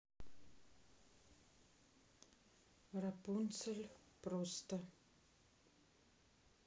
рапунцель просто